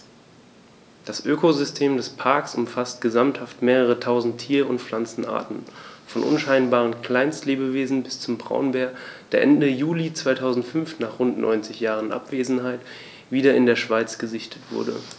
Das Ökosystem des Parks umfasst gesamthaft mehrere tausend Tier- und Pflanzenarten, von unscheinbaren Kleinstlebewesen bis zum Braunbär, der Ende Juli 2005, nach rund 90 Jahren Abwesenheit, wieder in der Schweiz gesichtet wurde.